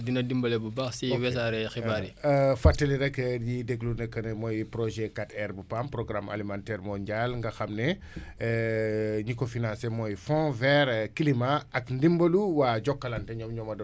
fàttali rek ñiy déglu nag que ne mooy projet 4R bu PAM programme alimentaire mondial nga xam ne ñi ko financer mooy Fond vers climat ak ndimbalu waa Jokalante ñoom ñoo ma doon woo parce que il joue un rôle très important waa Jokalante